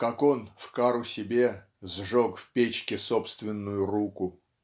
как он в кару себе сжег в печке собственную руку.